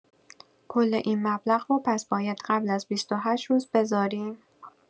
کل این مبلغ رو پس باید قبل از ۲۸ روز بذاریم؟